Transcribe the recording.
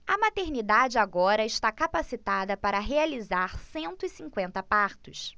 a maternidade agora está capacitada para realizar cento e cinquenta partos